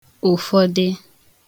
ụ̀fọdị